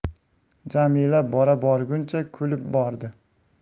jamila bora borguncha kulib bordi